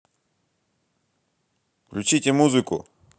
выключите музыку